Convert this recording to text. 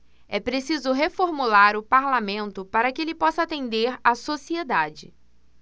é preciso reformular o parlamento para que ele possa atender a sociedade